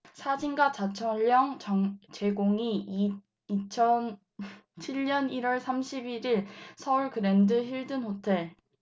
사진가 장철영 제공 이 이 이천 칠 년 일 월 삼십 일 일 서울 그랜드 힐튼 호텔